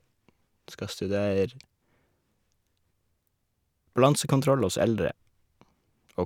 Skal studere balansekontroll hos eldre, og...